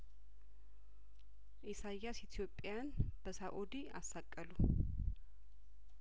ኢሳያስ ኢትዮጵያን በሳኡዲ አሳቀሉ